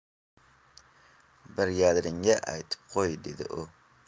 brigadiringga aytib qo'y dedi u